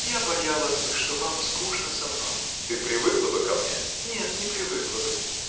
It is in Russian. — Я боялась бы, что вам скучно со мной. — Ты привыкла бы ко мне. — Нет, не привыкла бы.